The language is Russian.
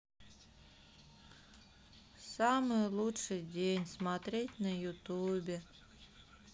самый лучший день смотреть на ютубе